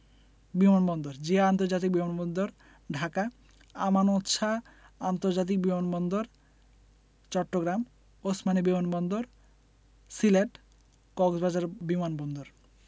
বিমান বন্দরঃ জিয়া আন্তর্জাতিক বিমান বন্দর ঢাকা আমানত শাহ্ আন্তর্জাতিক বিমান বন্দর চট্টগ্রাম ওসমানী বিমান বন্দর সিলেট কক্সবাজার বিমান বন্দর